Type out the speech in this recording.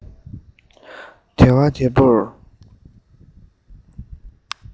དལ བ དལ བུར